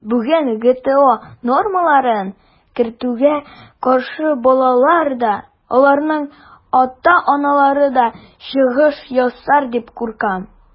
Бүген ГТО нормаларын кертүгә каршы балалар да, аларның ата-аналары да чыгыш ясар дип куркам.